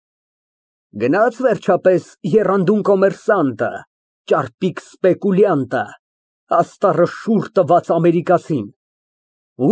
Գնա՞ց, վերջապես, եռանդուն կոմերսանտը, ճարպիկ սպեկուլյանտը, աստառը շուռ տված ամերիկացին։